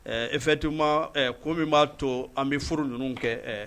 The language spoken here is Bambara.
Ɛɛ e fɛti ma ko min b'a to an bɛ furu ninnu kɛ